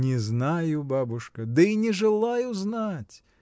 — Не знаю, бабушка, да и не желаю знать!